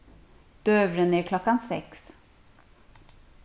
døgurðin er klokkan seks